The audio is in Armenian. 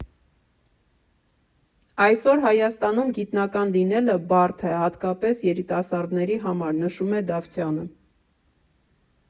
Այսօր Հայաստանում գիտնական լինելը բարդ է, հատկապես երիտասարդների համար, ֊ նշում է Դավթյանը։